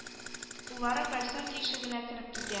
Куллары кальсон тишегенә кереп китә